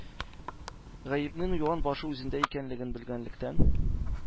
Гаепнең юан башы үзендә икәнлеген белгәнлектән,